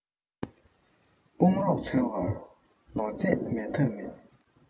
དཔུང རོགས འཚོལ བར ནོར རྫས མེད ཐབས མེད